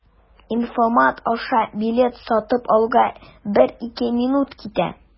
Инфомат аша билет сатып алуга 1-2 минут китә.